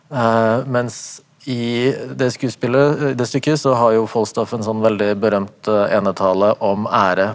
mens i det skuespillet det stykket så har jo Falstaff en sånn veldig berømt enetale om ære.